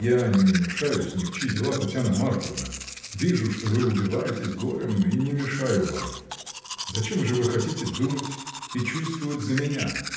— Я не мешаюсь ни в чьи дела, Татьяна Марковна, вижу, что вы убиваетесь горем, — и не мешаю вам: зачем же вы хотите думать и чувствовать за меня?